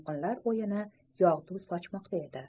to'lqinlar o'yini yog'du sochmoqda edi